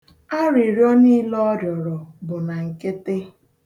Arịrịọ niile ọ rịọrịọ bụ na nkịtị.